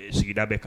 E sigida bɛ kan